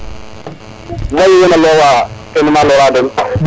mayu wena lorwa kene na lora den